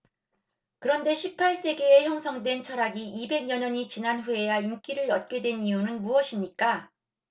그런데 십 팔 세기에 형성된 철학이 이백 여 년이 지난 후에야 인기를 얻게 된 이유는 무엇입니까